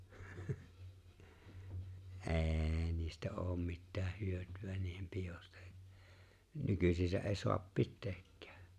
ei niistä ole mitään hyötyä niiden pidosta nykyään ei saa pitääkään